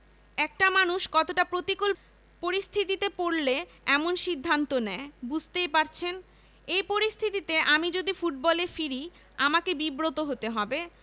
একটা মানুষ কতটা প্রতিকূল পরিস্থিতিতে পড়লে এমন সিদ্ধান্ত নেয় বুঝতেই পারছেন এই পরিস্থিতিতে আমি যদি ফুটবলে ফিরি আমাকে বিব্রত হতে হবে